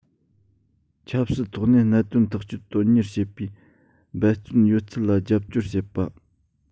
ཆབ སྲིད ཐོག ནས གནད དོན ཐག གཅོད དོན གཉེར བྱེད པའི འབད བརྩོན ཡོད ཚད ལ རྒྱབ སྐྱོར བྱེད པ